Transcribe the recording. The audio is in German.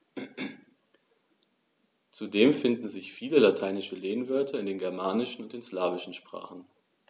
Zudem finden sich viele lateinische Lehnwörter in den germanischen und den slawischen Sprachen.